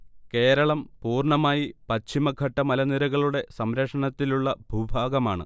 കേരളം പൂർണമായി പശ്ചിമഘട്ട മലനിരകളുടെ സംരക്ഷണത്തിലുള്ള ഭൂഭാഗമാണ്